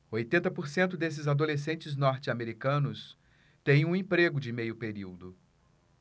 oitenta por cento desses adolescentes norte-americanos têm um emprego de meio período